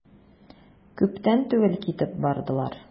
Күптән түгел китеп бардылар.